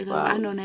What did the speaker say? a jega wa ando naye